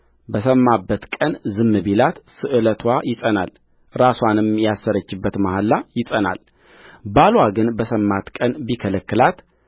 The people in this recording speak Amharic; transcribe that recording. በሰማበትም ቀን ዝም ቢላት ስእለትዋ ይጸናል ራስዋንም ያሰረችበት መሐላ ይጸናልባልዋ ግን በሰማበት ቀን ቢከለክላት